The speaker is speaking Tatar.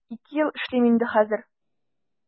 Ике ел эшлим инде хәзер.